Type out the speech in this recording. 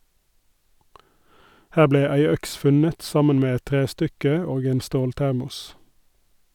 Her ble ei øks funnet, sammen med et trestykke og en ståltermos.